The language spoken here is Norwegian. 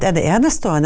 er det enestående?